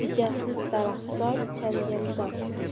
rejasiz daraxtzor changalzor